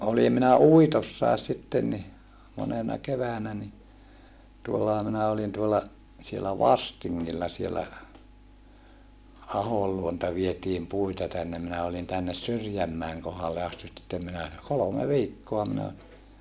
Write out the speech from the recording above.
olin minä uitossakin sitten niin monena keväänä niin tuollahan minä olin tuolla siellä Vastingilla siellä Ahon luota vietiin puita tänne minä olin tänne Syrjänmäen kohdalle asti sitten minä kolme viikkoa minä olin